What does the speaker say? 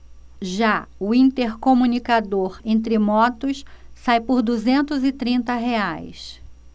já o intercomunicador entre motos sai por duzentos e trinta reais